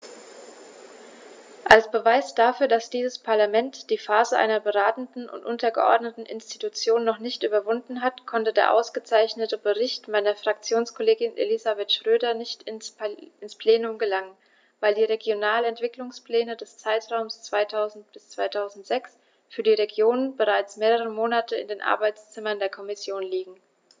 Als Beweis dafür, dass dieses Parlament die Phase einer beratenden und untergeordneten Institution noch nicht überwunden hat, konnte der ausgezeichnete Bericht meiner Fraktionskollegin Elisabeth Schroedter nicht ins Plenum gelangen, weil die Regionalentwicklungspläne des Zeitraums 2000-2006 für die Regionen bereits mehrere Monate in den Arbeitszimmern der Kommission liegen.